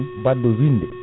badɗo winnde